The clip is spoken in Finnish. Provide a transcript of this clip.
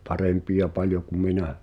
parempia paljon kuin minä